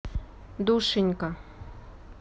душенька